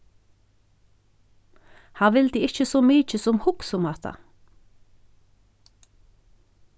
hann vildi ikki so mikið sum hugsa um hatta